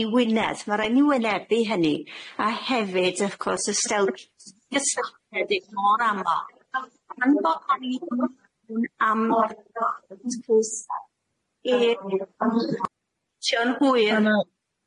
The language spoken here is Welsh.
i Wynedd ma' rai' ni wynebu hynny a hefyd wrth gwrs y stel-